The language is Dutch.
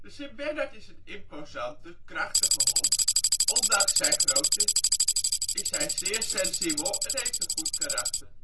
sint-bernard is een imposante, krachtige hond. Ondanks zijn grootte is hij zeer sensibel en heeft een goed karakter